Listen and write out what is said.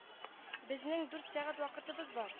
- безнең дүрт сәгать вакытыбыз бар